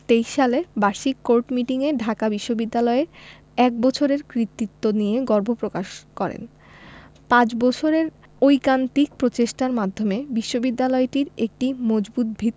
২৩ সালে বার্ষিক court meeting এ ঢাকা বিশ্ববিদ্যালয়ের এক বছরের কৃতিত্ব নিয়ে গর্ব প্রকাশ করেন পাঁচ বছরের ঐকান্তিক প্রচেষ্টার মাধ্যমে বিশ্ববিদ্যালয়টির একটি মজবুত ভিত